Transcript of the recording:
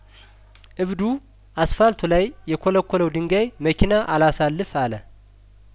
እብዱ አስፋልቱ ላይ የኰለኰለው ድንጋይ መኪና አላሳልፍ አለ